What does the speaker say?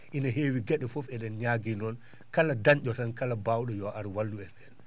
ine heewi ge?e fof e?en ñaagii noon kala dañ?o tan kala mbaaw?o yo ar wallu en heen